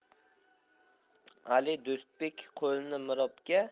ali do'stbek qo'lini mirobga